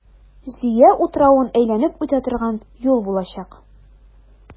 Зөя утравын әйләнеп үтә торган юл булачак.